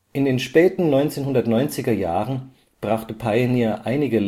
In den späten 1990er Jahren brachte Pioneer einige